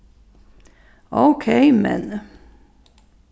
ókey meðni